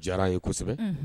Diyar'a ye kosɛbɛ unhun